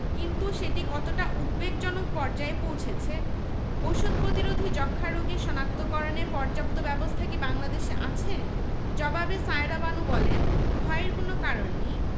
কিন্তু সেটি কতটা উদ্বেগজনক পর্যায়ে পৌঁছেছে ওষুধ প্রতিরোধী যক্ষ্মা রোগী শনাক্তকরণে পর্যাপ্ত ব্যবস্থা কি বাংলাদেশে আছে জবাবে সায়েরা বানু বলেন ভয়ের কোনো কারণ নেই